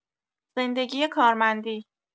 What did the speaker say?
زندگی کارمندی